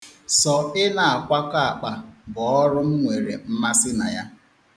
Sọ ị na-akwakọ akpa bụ ọrụ m nwere mmasị na ya.